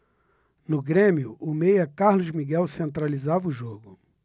no grêmio o meia carlos miguel centralizava o jogo